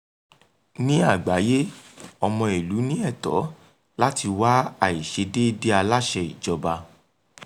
Ní àgbáyé, ọmọ-ìlú ní ẹ̀tọ́ láti wá àìṣedéédé aláṣẹ ìjọba.